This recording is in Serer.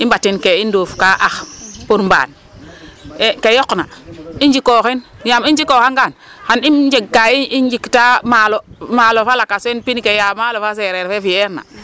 i mbatin ke i nduufka ax pour mbaan ee ke yoqna i njikooxin yaam i njikooxangaan xan i njeg ka i njiktaa maalo fo lakas fe pind ke yaa maalo fo lakas fe sereerna fi'eerna